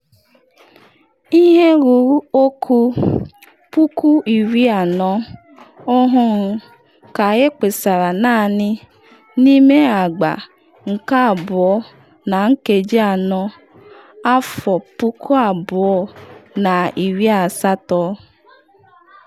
Ihe ruru okwu 40,000 ọhụrụ ka ekpesara naanị n’ime agba nke abụọ na nkeji anọ 2018.